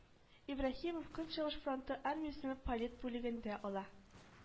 Ибраһимов көнчыгыш фронты армиясенең полит бүлегендә ала